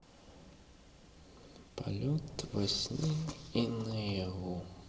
полет во сне и наяву